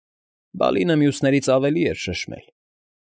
Բալինը մյուսներից ավելի էր շշմել։